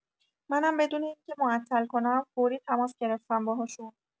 منم بدون اینکه معطل کنم فوری تماس گرفتم باهاشون.